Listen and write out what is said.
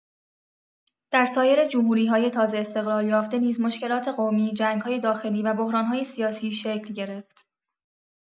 در سایر جمهوری‌های تازه استقلال یافته نیز مشکلات قومی، جنگ‌های داخلی و بحران‌های سیاسی شکل گرفت.